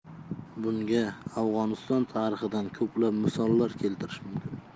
bunga afg'oniston tarixidan ko'plab misollar keltirish mumkin